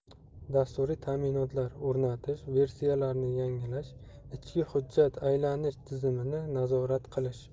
dasturiy ta'minotlar o'rnatish versiyalarini yangilash ichki hujjat aylanish tizimini nazorat qilish